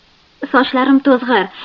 sochlarim to'zg'ir